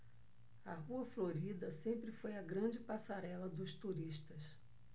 a rua florida sempre foi a grande passarela dos turistas